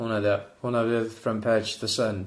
Hwnna ydi o. Hwnna fydd front page The Sun.